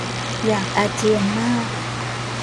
อยากอาเจียนมาก